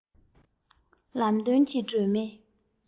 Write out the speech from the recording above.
ལམ སྟོན གྱི སྒྲོན མེ